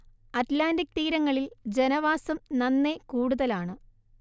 Atlantic തീരങ്ങളിൽ ജനവാസം നന്നെ കൂടുതലാണ്